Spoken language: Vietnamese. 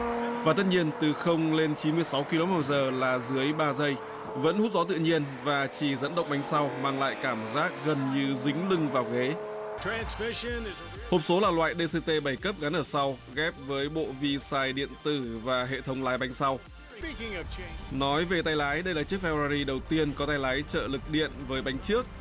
và tất nhiên từ không lên chín mươi sáu ki lô mét giờ là dưới ba giây vẫn hút gió tự nhiên và chỉ dẫn động bánh sau mang lại cảm giác gần như dính lưng vào ghế hộp số là loại đê dê tê bảy cấp gắn ở sau ghép với bộ vi sai điện tử và hệ thống lái bánh sau nói về tay lái đây là chiếc phe ra ri đầu tiên có tay lái trợ lực điện với bánh trước